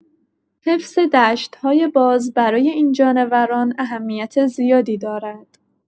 حفظ دشت‌های باز برای این جانوران اهمیت زیادی دارد؛